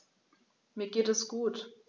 Mir geht es gut.